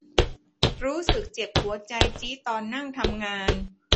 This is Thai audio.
รู้สึกเจ็บหัวใจจี๊ดตอนนั่งทำงาน